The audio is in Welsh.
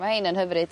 Ma' hein yn hyfryd.